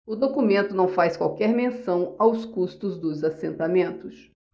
o documento não faz qualquer menção aos custos dos assentamentos